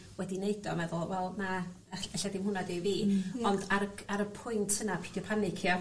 ...wedi neud o a meddwl wel na ell- e'lla ddim hwnna 'di fi. Hmm. Ie. Ond ar y pwynt yna pidio panicio.